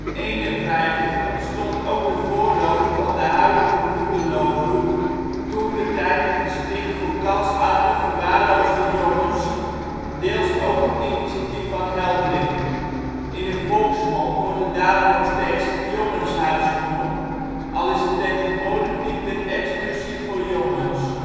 1851 ontstond ook de voorloper van de huidige Hoenderloo Groep, toentertijd een gesticht voor kansarme, verwaarloosde jongens, deels ook op initiatief van Heldring. In de volksmond wordt het daarom nog steeds het Jongenshuis genoemd, al is het tegenwoordig niet meer exclusief voor jongens